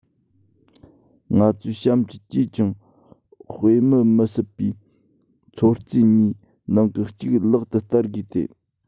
ང ཚོས གཤམ གྱི ཅིས ཀྱང དཔེ མི མི སྲིད པའི ཚོད རྩིས གཉིས ནང གི གཅིག ལག ཏུ བསྟར དགོས ཏེ